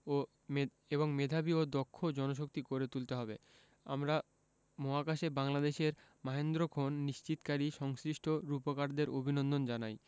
এবং মেধাবী ও দক্ষ জনশক্তি গড়ে তুলতে হবে আমরা মহাকাশে বাংলাদেশের মাহেন্দ্রক্ষণ নিশ্চিতকারী সংশ্লিষ্ট রূপকারদের অভিনন্দন জানাই